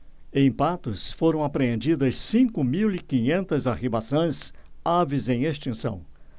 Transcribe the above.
em patos foram apreendidas cinco mil e quinhentas arribaçãs aves em extinção